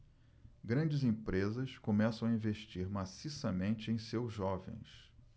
grandes empresas começam a investir maciçamente em seus jovens